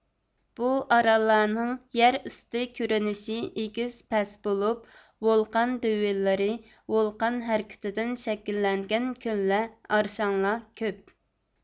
بۇ ئاراللارنىڭ يەر ئۈستى كۆرۈنۈشى ئېگىز پەس بولۇپ ۋولقان دۆۋىلىرى ۋولقان ھەرىكىتىدىن شەكىللەنگەن كۆللەر ئارشاڭلار كۆپ